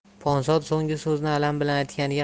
ponsod so'nggi so'zni alam bilan aytganiga